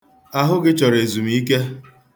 Ahụ gị chọrọ ezumike.